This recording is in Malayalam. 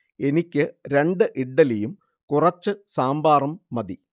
എനിക്ക് രണ്ട് ഇഡ്ഢലിയും കുറച്ച് സാമ്പാറും മതി